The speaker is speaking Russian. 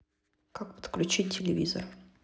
как подключить телевизор